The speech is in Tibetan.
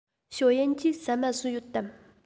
ཞའོ ཡན གྱིས ཟ མ ཟོས ཡོད དམ